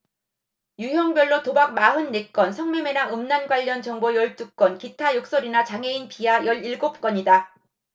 유형별로 도박 마흔 네 건 성매매나 음란 관련 정보 열 두 건 기타 욕설이나 장애인 비하 열 일곱 건이다